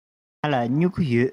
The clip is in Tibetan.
ང ལ སྨྱུ གུ ཡོད